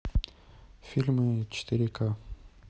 фильмы четыре к